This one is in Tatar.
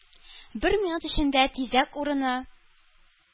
Бер минут эчендә тизәк урыны,